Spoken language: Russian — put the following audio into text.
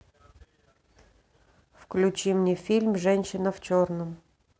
включи мне фильм женщина в черном